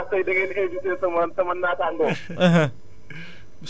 ah man de damaa kontaan ndax tey tey da ngeen a invité sama sama naataango